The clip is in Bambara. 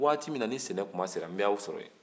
waati min na ni sɛnɛ tuma sera n b'a sɔrɔ ye